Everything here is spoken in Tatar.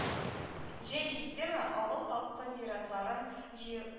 Җәй җиттеме, авыл халкы зиратларын җые